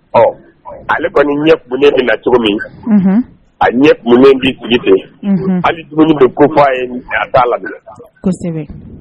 Ɔ ale kɔni ɲɛ kumunen bɛna cogo min unhun a ɲɛ kumunen bi sigi ten unhun hali dumuni be kofɔ a ye mais a t'a laminɛ kosɛbɛ